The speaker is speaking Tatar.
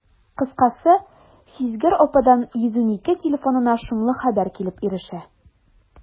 Кыскасы, сизгер ападан «112» телефонына шомлы хәбәр килеп ирешә.